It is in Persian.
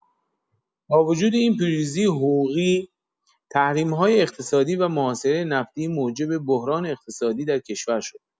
با وجود این پیروزی حقوقی، تحریم‌های اقتصادی و محاصره نفتی موجب بحران اقتصادی در کشور شد.